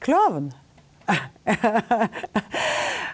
klovn .